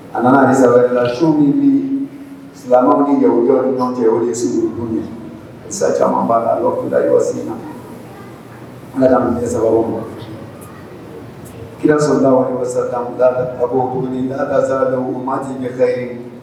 A nana sabalila so min bi silamɛma kɛ ɲɔgɔn cɛ o ye segu olukun ye sa caman b'a la la ki sen na an' sababu ma kirasola sa lasa maati ɲɛka ye